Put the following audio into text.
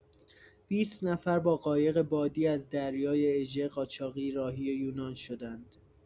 بیست نفر با قایق بادی از دریای اژه، قاچاقی راهی یونان شدند.